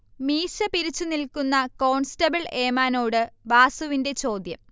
മീശ പിരിച്ചു നിൽക്കുന്ന കോൺസ്റ്റബിൾ ഏമാനോട് വാസുവിന്റെ ചോദ്യം